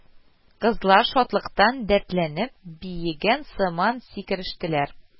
Кызлар, шатлыктан дәртләнеп, биегән сыман сикерештеләр: